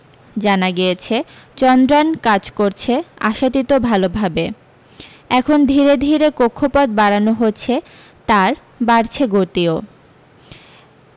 জানা গিয়েছে চন্দ্র্যান কাজ করছে আশাতীত ভালভাবে এখন ধীরে ধীরে কক্ষপথ বাড়ানো হচ্ছে তার বাড়ছে গতিও